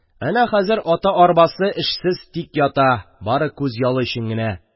Әнә хәзер аты-арбасы эшсез тик ята, бары да күз ялы өчен генә.